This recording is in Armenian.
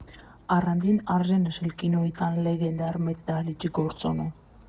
Առանձին արժե նշել Կինոյի տան լեգենդար մեծ դահլիճի գործոնը.